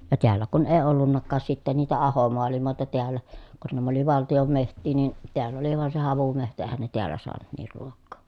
ja täällä kun ei ollutkaan sitten niitä ahomaailmoita täällä kun nämä oli valtion metsiä niin täällä oli vain se havumetsä eihän ne täällä saanut niin ruokaa